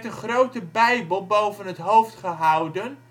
grote Bijbel boven het hoofd gehouden